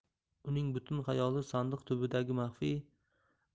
uning butun xayoli sandiq tubidagi maxfiy